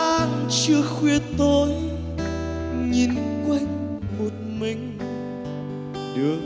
trưa khuya tối nhìn quanh một mình đường